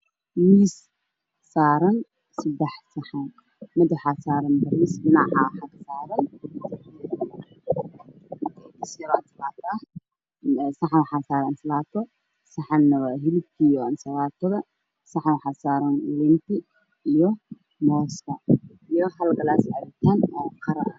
Miis saaran sadex sinxi mid waxasaaranbariis dhanaca waxa saaranatalata saxana waa hilibkii saxan waxasaaran liintii